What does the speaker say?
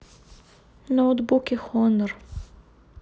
ноутбуки хонор